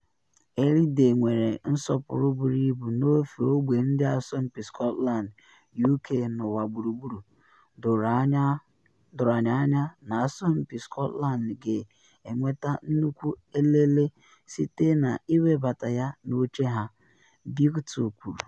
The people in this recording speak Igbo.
“Eilidh nwere nsọpụrụ buru ibu n’ofe ogbe ndị asọmpi Scotland, UK na ụwa gburugburu, doro anyị anya na asọmpi na Scotland ga-enweta nnukwu elele site na ịwebata ya n’oche ha,” Beattie kwuru.